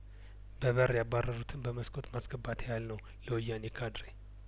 በበር ያባረሩትን በመስኮት ማስገባት ያህል ነው ለወያኔ ካድሬ